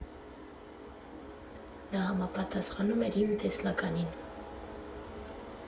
Դա համապատասխանում էր իմ տեսլականին»։